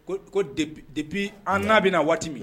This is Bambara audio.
Ko ko depuis an n'a bi na waati min.